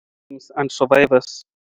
Victims and Survivors